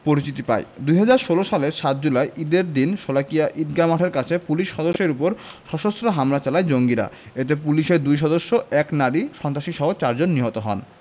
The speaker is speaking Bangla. পরিচিতি পায় ২০১৬ সালের ৭ জুলাই ঈদের দিন শোলাকিয়া ঈদগাহ মাঠের কাছে পুলিশ সদস্যদের ওপর সশস্ত্র হামলা চালায় জঙ্গিরা এতে পুলিশের দুই সদস্য এক নারী সন্ত্রাসীসহ চারজন নিহত হন